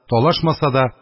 Талашмаса да,